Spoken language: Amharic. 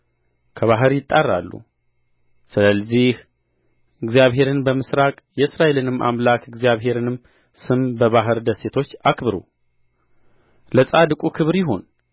ከባሕር ይጣራሉ ስለዚህ እግዚአብሔርን በምሥራቅ የእስራኤልንም አምላክ የእግዚአብሔርንም ስም በባሕር ደሴቶች አክብሩ ለጻድቁ ክብር ይሁን